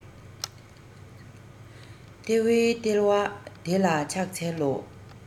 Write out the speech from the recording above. ལྟེ བའི ལྟེ བ དེ ལ ཕྱག འཚལ ལོ